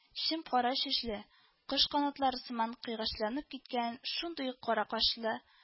Чем-кара чәчле, кош канатлары сыман кыйгачланып киткән шундый ук кара кашлы